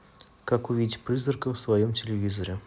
как увидеть призрака в своем телевизоре